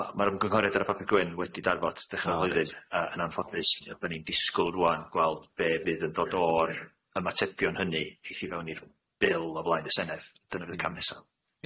Ma' ma'r ymgynghoriad ar y papur gwyn wedi darfod dechra flwyddyn yn anffodus bo' ni'n disgwl rŵan gweld be' fydd yn dod o'r ymatebion hynny i chi fewn i'r bil o flaen y Senedd dyna bydd y cam nesa. Iawn.